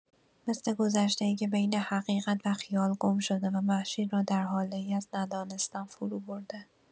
مثل گذشته‌ای که بین حقیقت و خیال گم شده و مهشید را در هاله‌ای از ندانستن فروبرده.